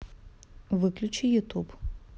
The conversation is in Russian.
выключи ютуб